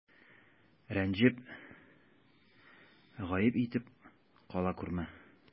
Рәнҗеп, гаеп итеп кала күрмә.